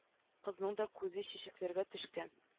Кызның да күзе чәчәкләргә төшкән